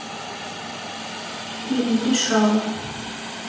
фильм решала